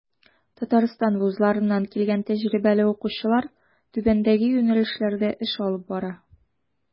Татарстан вузларыннан килгән тәҗрибәле укытучылар түбәндәге юнәлешләрдә эш алып бара.